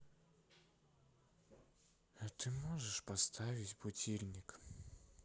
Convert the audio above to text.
а ты можешь поставить будильник